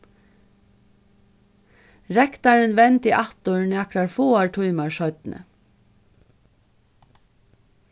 rektarin vendi aftur nakrar fáar tímar seinni